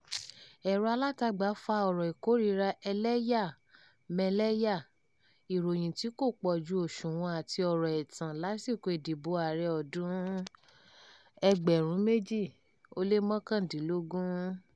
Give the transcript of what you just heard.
Ẹ̀rọ alátagbà fa ọ̀rọ̀ ìkórìíra ẹlẹ́yàmẹ́lẹ́yá, ìròyìn tí kò pójú òṣùwọ̀n àti ọ̀rọ̀ ẹ̀tàn lásìkò ìdìbò ààrẹ ọdún-un 2019